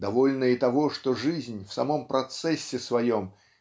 довольно и того, что жизнь в самом процессе своем